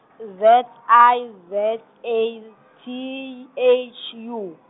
Z I, Z A, T H U.